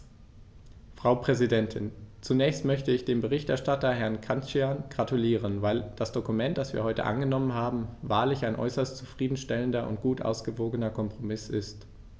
Frau Präsidentin, zunächst möchte ich dem Berichterstatter Herrn Cancian gratulieren, weil das Dokument, das wir heute angenommen haben, wahrlich ein äußerst zufrieden stellender und gut ausgewogener Kompromiss ist.